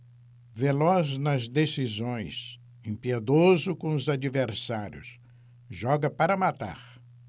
veloz nas decisões impiedoso com os adversários joga para matar